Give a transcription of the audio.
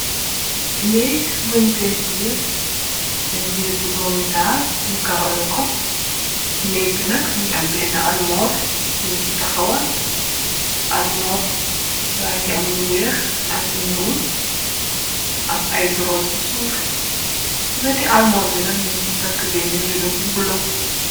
Néeg buñ pintiir pintiir bu domitaal, ñu karole ko, ci néeg bi nak mu ngi am benne almoor buñ ci taxawal, almoor ba ngi am lu weex, am lu ñuul, am ay doroo ci suuf, ci weti almoor bi nak ñun ci takk benne rido bu bula.